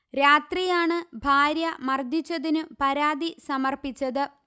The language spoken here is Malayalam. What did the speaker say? രാത്രിയാണ് ഭാര്യ മർദിച്ചതിനു പരാതി സമർപ്പിച്ചത്